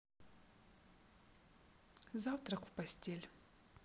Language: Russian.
завтрак в постель